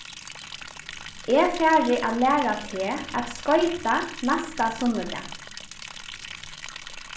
eg fari at læra teg at skoyta næsta sunnudag